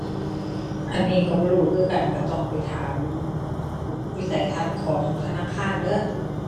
อันนี้ก็บ่รู้คือกัน ก็ต้องไปถามวิสัยทัศน์ของธนาคารเด้อ